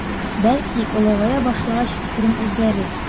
Бәлки олыгая башлагач фикерем үзгәрер.